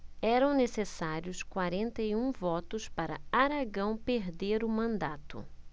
eram necessários quarenta e um votos para aragão perder o mandato